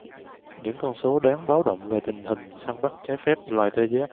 những con số đáng báo động về tình hình săn bắt trái phép loài tê giác